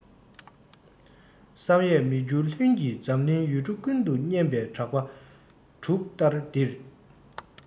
བསམ ཡས མི འགྱུར ལྷུན གྱིས འཛམ གླིང ཡུལ གྲུ ཀུན ཏུ སྙན པའི གྲགས པ འབྲུག ལྟར ལྡིར